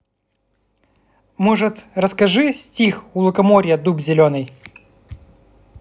может расскажи стих у лукоморья дуб зеленый